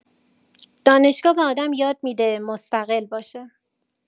دانشگاه به آدم یاد می‌ده مستقل باشه